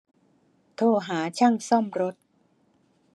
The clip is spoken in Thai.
โทรหาช่างซ่อมรถ